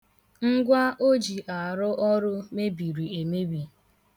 Ngwa o ji arụ ọrụ mebiri emebi.